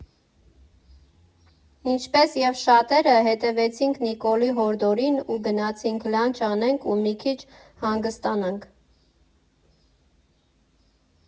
Ինչպես և շատերը, հետևեցինք Նիկոլի հորդորին ու գնացինք լանչ անենք ու մի քիչ հանգստանանք։